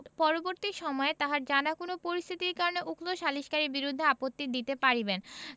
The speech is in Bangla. পরবর্তি সময়ে তাহার জানা কোন পরিস্থিতির কারণে উক্ত সালিসকারীর বিরুদ্ধে আপত্তি দিতে পারিবেন